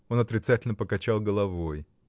Он отрицательно покачал головой.